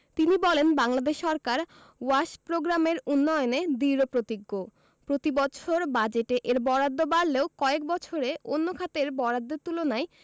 তিনি বলেন বাংলাদেশ সরকার ওয়াশ প্রোগ্রামের উন্নয়নে দৃঢ়প্রতিজ্ঞ প্রতিবছর বাজেটে এর বরাদ্দ বাড়লেও কয়েক বছরে অন্য খাতের বরাদ্দের তুলনায়